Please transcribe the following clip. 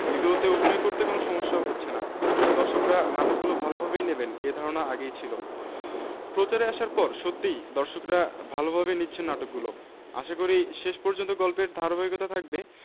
এগুলোতে অভিনয় করতে কোনো সমস্যাও হচ্ছে না দর্শকরা নাটকগুলো ভালোভাবেই নেবেন এ ধারণা আগেই ছিল প্রচারে আসার পর সত্যিই দর্শকরা ভালোভাবে নিচ্ছেন নাটকগুলো আশাকরি শেষ পর্যন্ত গল্পের ধারাবাহিকতা থাকবে